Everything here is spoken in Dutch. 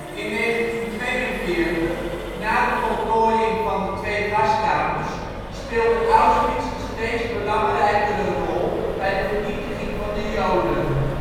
In 1942, na de voltooiing van de twee gaskamers, speelde Auschwitz een steeds belangrijkere rol bij de vernietiging van de Joden